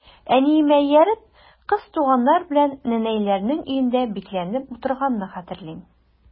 Әниемә ияреп, кыз туганнар белән нәнәйләрнең өендә бикләнеп утырганны хәтерлим.